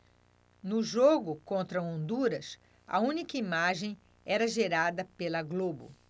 no jogo contra honduras a única imagem era gerada pela globo